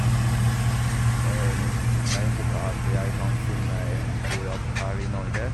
Jeg håper at jeg kan finne en god jobb her i Norge.